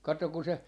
katso kun se